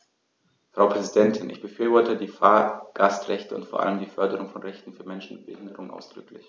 Frau Präsidentin, ich befürworte die Fahrgastrechte und vor allem die Förderung von Rechten für Menschen mit Behinderung ausdrücklich.